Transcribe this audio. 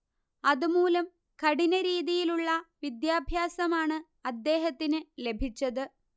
അതുമൂലം കഠിനരീതിയിലുള്ള വിദ്യാഭാസമാണ് അദ്ദേഹത്തിന് ലഭിച്ചത്